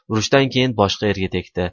urushdan keyin boshqa erga tegdi